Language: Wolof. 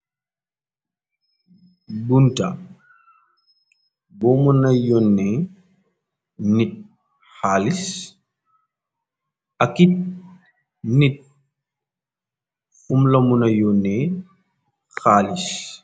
Bunta boo mu na yonne nit xaalis , akit nit fum la mu na yonne xaalis.